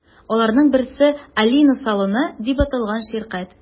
Аларның берсе – “Алина салоны” дип аталган ширкәт.